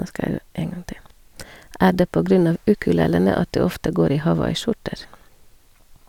- Er det på grunn av ukulelene at du ofte går i hawaiiskjorter?